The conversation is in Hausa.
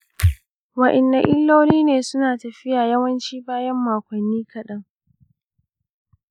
wa'innan illolin suna tafiya yawanci bayan makonni kaɗan.